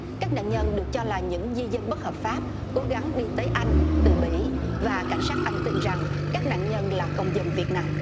các nạn nhân được cho là những di dân bất hợp pháp cố gắng đi tới anh từ bỉ và cảnh sát anh tin rằng các nạn nhân là công dân việt nam